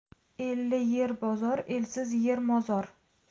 elli yer bozor elsiz yer mozor